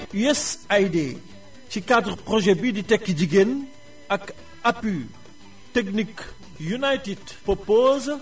USAID ci cadre projet bii di tekki jigéen ak appui technique United purpose